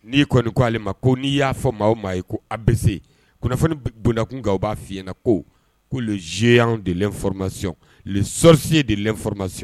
N'i kɔni k'ale ma ko n'i y'a fɔ maa aw maa ye ko a bɛse kunnafoni bɔnnakun'aw b'a f fiɲɛyɲɛna ko ko' zeya anw de fmasi sɔsi de fɔrɔmasi